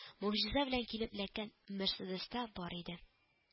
Могҗиза белән килеп эләккән “мерседес та бар иде